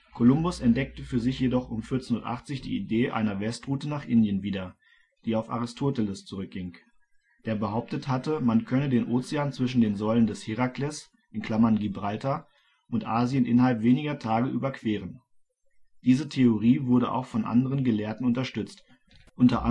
Kolumbus entdeckte für sich jedoch um 1480 die Idee einer Westroute nach Indien wieder, die auf Aristoteles zurückging, der behauptet hatte, man könne den Ozean zwischen den Säulen des Herakles (Gibraltar) und Asien innerhalb weniger Tage überqueren. Diese Theorie wurde auch von anderen Gelehrten unterstützt, unter